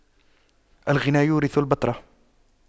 الغنى يورث البطر